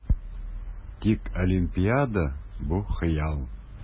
Тик Олимпиада - бу хыял!